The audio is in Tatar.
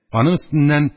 Аның өстеннән